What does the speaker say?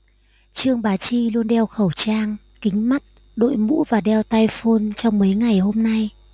trương bá chi luôn đeo khẩu trang kính mắt đội mũ và đeo tai phone trong mấy ngày hôm nay